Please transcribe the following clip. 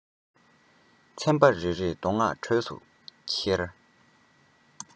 ཚན པ རེ རེས མདོ སྔགས གྲོགས སུ འཁྱེར